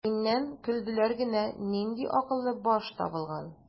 Миннән көлделәр генә: "Нинди акыллы баш табылган!"